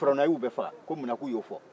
farawuna y'u bɛɛ faga ko munna k'u y'o fɔ